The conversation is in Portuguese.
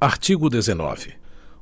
artigo dezenove